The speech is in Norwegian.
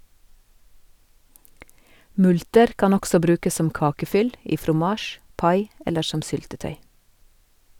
Multer kan også brukes som kakefyll, i fromasj, pai eller som syltetøy.